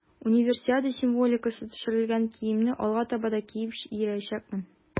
Универсиада символикасы төшерелгән киемне алга таба да киеп йөриячәкмен.